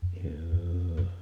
juu